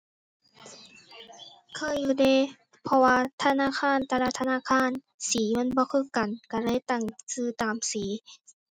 เคยอยู่เดะ เพราะว่าธนาคารแต่ละธนาคารสีมันบ่คือกัน ก็เลยตั้งก็ตามสี